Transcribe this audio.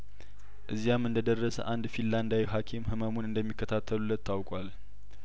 እዚያም እንደደረሰ አንድ ፊንላንዳዊ ሀኪም ህመሙን እንደሚከታተሉለት ታውቋል